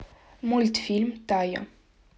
мультфильм тайо